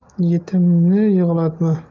yetimni yig'latma